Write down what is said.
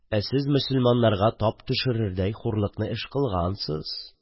Ә сез мосылманнарга тап төшерердәй хурлыклы эш кылгансыз...